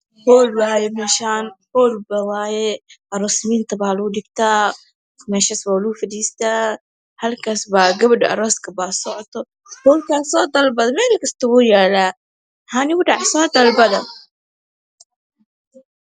Hool waaye meeshaan aroosmiinta baa lagu dhigtaa meeshas waa lagu fadhiistaa halkaas gabadha arooska baa socoto hoolkas soo dalbada meelkasto wuu yaalaa xaa nigu dhacay soo dalbada